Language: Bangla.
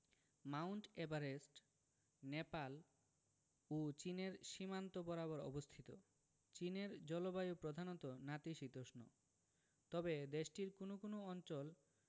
মাউন্ট এভারেস্ট নেপাল ও চীনের সীমান্ত বরাবর অবস্থিত চীনের জলবায়ু প্রধানত নাতিশীতোষ্ণ তবে দেশটির কোনো কোনো অঞ্চল